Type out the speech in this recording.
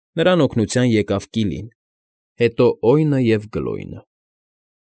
Նրան օգնության եկավ Կիլին, հետո՝ Օյնը և Գլոյնը։